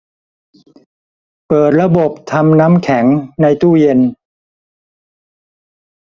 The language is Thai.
เปิดระบบทำน้ำแข็งในตู้เย็น